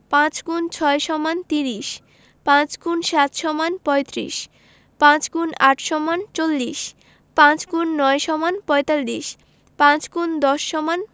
৫x ৬ = ৩০ ৫× ৭ = ৩৫ ৫× ৮ = ৪০ ৫x ৯ = ৪৫ ৫×১০ =